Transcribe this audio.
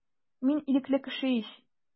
Мин ирекле кеше ич.